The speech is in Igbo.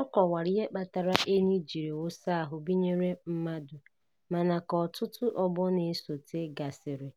Ọ kọwara ihe kpatara ényí jiri wụsa ahụ binyere mmadụ mana, ka ọtụtụ ọgbọ na-esote gasịrị,